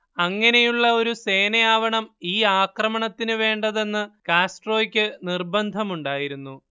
അങ്ങനെയുള്ള ഒരു സേനയാവണം ഈ ആക്രമണത്തിനു വേണ്ടതെന്ന് കാസ്ട്രോയക്കു നിർബന്ധമുണ്ടായിരുന്നു